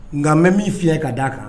Nka bɛ min fiyɛ ka d aa kan